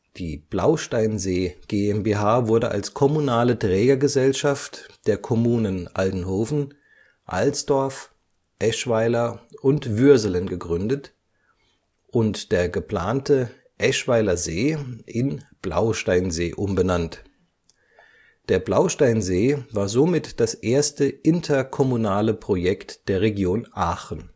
Die Blausteinsee GmbH wurde als kommunale Trägergesellschaft der Kommunen Aldenhoven, Alsdorf, Eschweiler und Würselen gegründet und der geplante Eschweiler See in Blausteinsee umbenannt. Der Blausteinsee war somit das erste interkommunale Projekt der Region Aachen